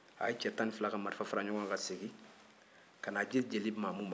a ye cɛ tan ni fila ka marifa fara ɲɔgɔn kan ka segin ka n'a di jeli mamu ma